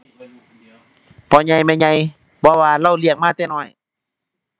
พ่อใหญ่แม่ใหญ่ เพราะว่าเลาเลี้ยงมาแต่น้อย